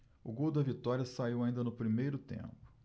o gol da vitória saiu ainda no primeiro tempo